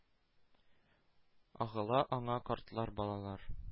Агыла аңа картлар, балалар,